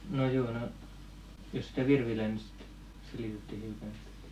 no joo no jos sitä virvilää nyt sitten selitätte hiukan